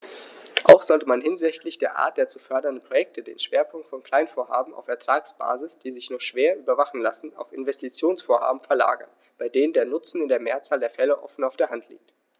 Auch sollte man hinsichtlich der Art der zu fördernden Projekte den Schwerpunkt von Kleinvorhaben auf Ertragsbasis, die sich nur schwer überwachen lassen, auf Investitionsvorhaben verlagern, bei denen der Nutzen in der Mehrzahl der Fälle offen auf der Hand liegt.